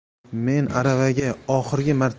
men aravaga oxirgi